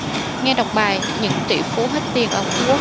nghe đọc bài những tỉ phú hết tiền ở phú quốc